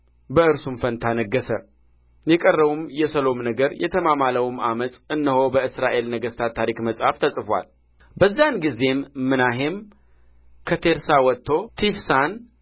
በእርሱም ፋንታ ነገሠ የቀረውም የሰሎም ነገር የተማማለውም ዓመፅ እነሆ በእስራኤል ነገሥታት ታሪክ መጽሐፍ ተጽፎአል በዚያን ጊዜም ምናሔም ከቴርሳ ወጥቶ ቲፍሳን